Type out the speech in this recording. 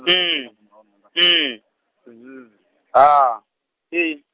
N N Z H I.